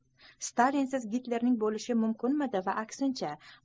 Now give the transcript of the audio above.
stalinsiz gitlerning bo'lishi mumkinmidi va aksincha